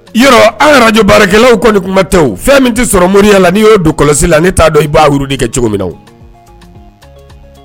Yɔrɔ an araj baarakɛlaww kɔni kuma tɛ fɛn min tɛ sɔrɔ moriya la'i y'o don kɔlɔsi la n t'a dɔn i b'a hur kɛ cogo min na